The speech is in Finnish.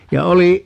ja oli